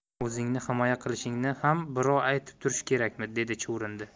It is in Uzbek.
o'zingni himoya qilishingni ham birov aytib turishi kerakmi dedi chuvrindi